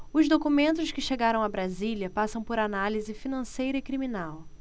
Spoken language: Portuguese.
os documentos que chegaram a brasília passam por análise financeira e criminal